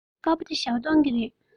དཀར པོ འདི ཞའོ ཏོན གྱི རེད